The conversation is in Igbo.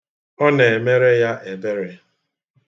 Ọ na-emere ya ebere.